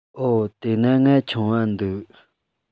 འོ དེས ན ང ཆུང བ འདུག